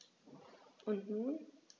Und nun?